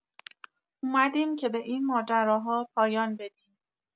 اومدیم که به این ماجراها پایان بدیم.